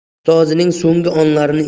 ustozining so'nggi onlarini